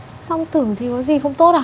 song tử thì có gì không tốt à